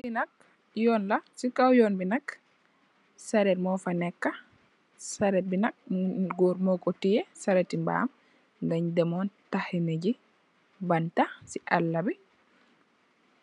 Li nak yonla ci kaw Yone bi nak saret mofi neka saret nak Goor Moko teya sareti mbam la mugi tahani ay mata ci alabi